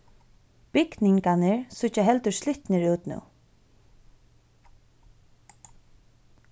bygningarnir síggja heldur slitnir út nú